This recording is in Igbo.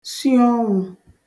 si ọnwụ̀